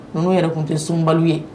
Nu yɛrɛ tun tɛ sunbali ye